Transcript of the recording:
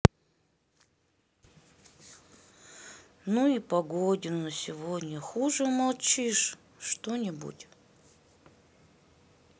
ну погодина на сегодня хуже молчишь что нибудь